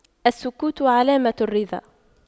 السكوت علامة الرضا